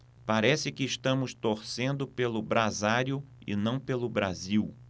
parece que estamos torcendo pelo brasário e não pelo brasil